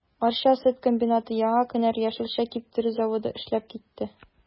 Арча сөт комбинаты, Яңа кенәр яшелчә киптерү заводы эшләп китте.